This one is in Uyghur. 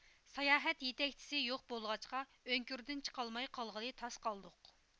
ساياھەت يېتىكچىسى يوق بولغاچقا ئۆڭكۈردىن چىقالماي قالغىلى تاس قالدۇق